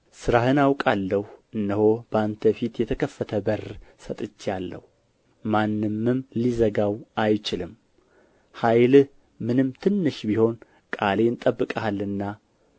ሥራህን አውቃለሁ እነሆ በአንተ ፊት የተከፈተ በር ሰጥቼአለሁ ማንምም ሊዘጋው አይችልም ኃይልህ ምንም ትንሽ ቢሆን ቃሌን ጠብቀሃልና